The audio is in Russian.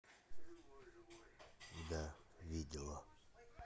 да видела